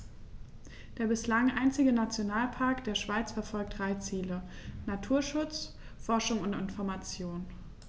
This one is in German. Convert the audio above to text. Der bislang einzige Nationalpark der Schweiz verfolgt drei Ziele: Naturschutz, Forschung und Information.